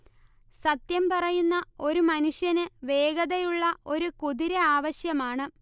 സത്യം പറയുന്ന ഒരു മനുഷ്യന് വേഗതയുള്ള ഒരു കുതിര ആവശ്യമാണ്